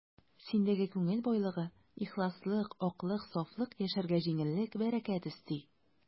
Синдәге күңел байлыгы, ихласлык, аклык, сафлык яшәргә җиңеллек, бәрәкәт өсти.